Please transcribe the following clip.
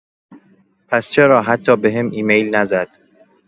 پس چرا حتی بهم ایمیل نزد